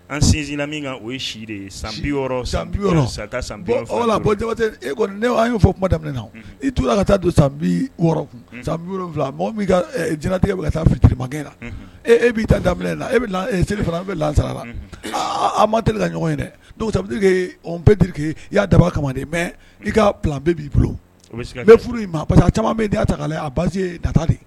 An sinsinina min o si san bɔn jaba e kɔni an y'o fɔ kuma daminɛ na i t'u la ka taa don san bi wɔɔrɔ san jinɛtigɛ bɛ ka taa fitirimakɛ la e e bi ta da na e seli an bɛ la sarala an ma deli ka ɲɔgɔn ye dɛ bɛɛke i y'a daba kama mɛ i ka bɛɛ b'i bolo furu parce caman min' ta' a basi ye data de ye